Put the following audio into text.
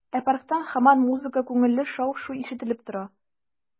Ә парктан һаман музыка, күңелле шау-шу ишетелеп тора.